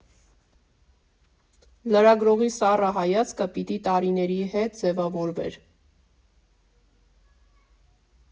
Լրագրողի սառը հայացքը պիտի տարիների հետ ձևավորվեր։